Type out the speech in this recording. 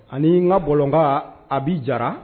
Ani n ka bɔlɔkan a bi jara